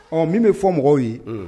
Ɔ min bɛ fɔ mɔgɔw ye